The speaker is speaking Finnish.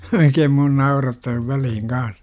oikein minua naurattaa väliin kanssa